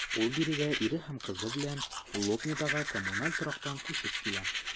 Ул бирегә ире һәм кызы белән Лобнядагы коммуналь торактан күчеп килә.